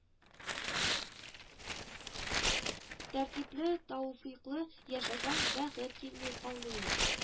Тәртипле-тәүфыйклы яшәсәң бәхет килми калмый ул